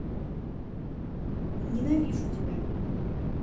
ненавижу тебя